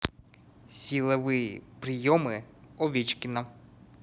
силовые приемы овечкина